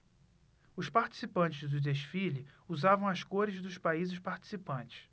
os participantes do desfile usavam as cores dos países participantes